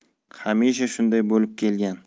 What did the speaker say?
hamisha shunday bo'lib kelgan